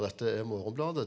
dette er Morgenbladet.